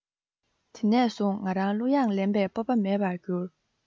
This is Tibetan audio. དེ ནས བཟུང ང རང གླུ དབྱངས ལེན པའི སྤོབས པ མེད པར གྱུར